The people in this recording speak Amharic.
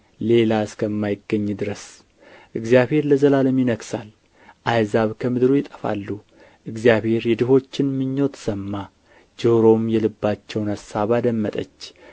ሌላ እስከማይገኝ ድረስ እግዚአብሔር ለዘላለም ይነግሣል አሕዛብ ከምድሩ ይጠፋሉ እግዚአብሔር የድሆችን ምኞት ሰማ ጆሮውም የልባቸውን አሳብ አደመጠች